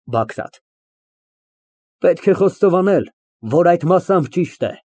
ԲԱԳՐԱՏ ֊ Պետք է խոստովանել, որ այդ մասամբ ճիշտ է։